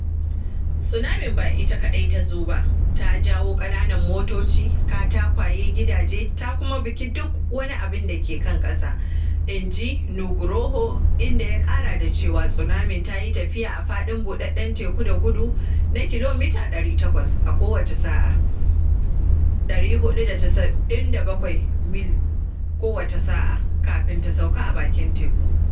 “Tsunamin ba ita kaɗai tazo ba, ta jawo ƙananan motoci, katakwaye, gidaje, ta kuma bugi duk abin da ke kan ƙasa,” inji Nugroho, inda ya ƙara da cewa tsunamin ta yi tafiya a faɗin buɗeɗɗen teku da gudu na kilomita 800 a kowace sa’a (mil 497 kowace sa’a) kafin ta sauka a bakin tekun.